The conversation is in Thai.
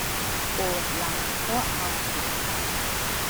ปวดหลังเพราะนอนผิดท่า